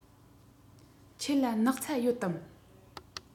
ཁྱེད ལ སྣག ཚ ཡོད དམ